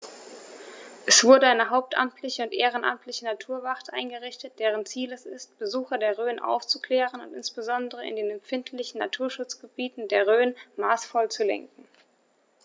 Es wurde eine hauptamtliche und ehrenamtliche Naturwacht eingerichtet, deren Ziel es ist, Besucher der Rhön aufzuklären und insbesondere in den empfindlichen Naturschutzgebieten der Rhön maßvoll zu lenken.